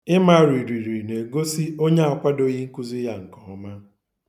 Ịma ririri na-egosi onye akwadoghi nkuzi ya nke ọma.